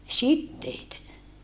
siteet